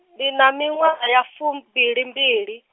ndi na miṅwaha ya fumbilimbili.